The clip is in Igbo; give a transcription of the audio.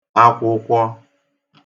akwụkwọ